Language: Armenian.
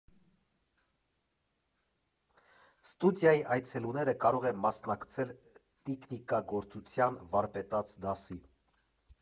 Ստուդիայի այցելուները կարող են մասնակցել տիկնիկագործության վարպետաց դասի։